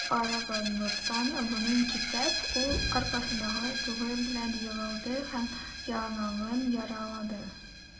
Бик арыганлыктан абынып китеп, ул аркасындагы тюгы белән егылды һәм яңагын яралады.